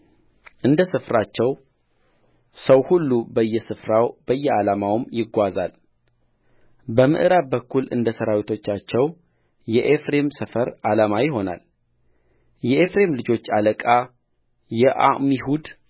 እንደ ሰፈራቸው ሰው ሁሉ በየስፍራው በየዓላማውም ይጓዛሉበምዕራብ በኩል እንደ ሠራዊቶቻቸው የኤፍሬም ሰፈር ዓላማ ይሆናል የኤፍሬም ልጆች አለቃ የዓሚሁድ